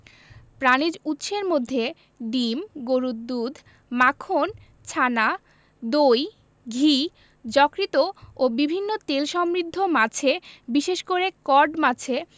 প্রাণিজ উৎসের মধ্যে ডিম গরুর দুধ মাখন ছানা দই ঘি যকৃৎ ও বিভিন্ন তেলসমৃদ্ধ মাছে বিশেষ করে কড মাছে